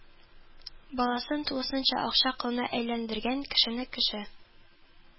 Баласын тулысынча акча колына әйләндергән, кешене кеше